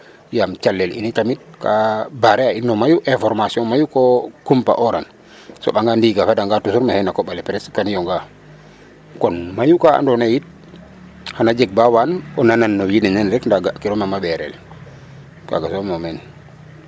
Yaam calel in tamit ka barrer a in no mayu information mayu ko kumpa'ooran soɓanga ndiig a fadanga toujours maxey no coƥ ale presque kan yongaa kon mayu ka andoona yee yit xan a jeg baa waan o nanan no wiin we rek ndaa ga'kiro nam a ɓeerel kaaga soom o meen .